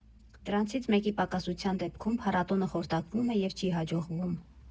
Դրանցից մեկի պակասության դեպքում փառատոնը խորտակվում է և չի հաջողվում։